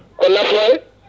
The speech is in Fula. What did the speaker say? ko nafoore